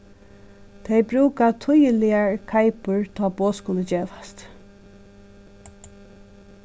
tey brúka týðiligar keipur tá boð skulu gevast